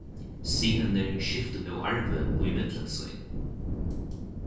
synirnir skiftu nú arvin ímillum sín